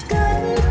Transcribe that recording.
cánh